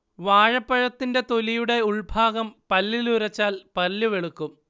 വാഴപ്പഴത്തിന്റെ തൊലിയുടെ ഉൾഭാഗം പല്ലിൽ ഉരച്ചാൽ പല്ല് വെളുക്കും